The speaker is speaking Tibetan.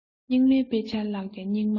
སྙིགས མའི དཔེ ཆ བཀླགས ཀྱང སྙིགས མ ཉིད